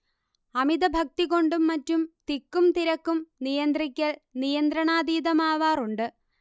അമിതഭക്തി കൊണ്ടും മറ്റും തിക്കും തിരക്കും നിയന്ത്രിക്കൽ നിയന്ത്രണാതീതമാവാറുണ്ട്